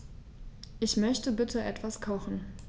Ich möchte bitte etwas kochen.